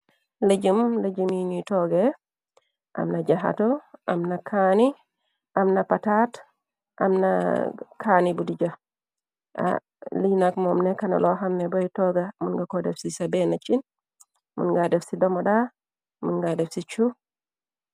Lëjum lëjum yi nuy tooge amna jahato am na kani amna pataat amna kaani bu dija alinak momne kanalo xamne boy togga mun nga ko def ci ca benn cin mun nga def ci domoda mun nga def ci cu.